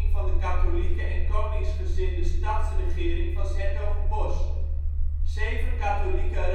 van de katholieke en koningsgezinde stadsregering van ' s-Hertogenbosch. Zeven katholieke